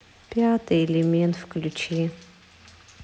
пятый элемент включи